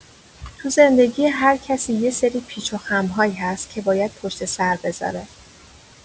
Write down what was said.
تو زندگی هرکسی یه سری پیچ‌وخم‌هایی هست که باید پشت‌سر بذاره.